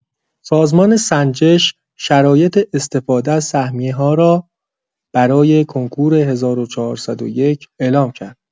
سازمان سنجش شرایط استفاده از سهمیه‌ها را برای کنکور ۱۴۰۱ اعلام کرد.